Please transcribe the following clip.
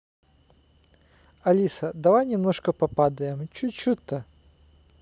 алиса давай немножко попадаем чуть чуть то